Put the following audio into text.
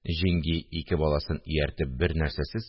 Җиңги, ике баласын ияртеп, бернәрсәсез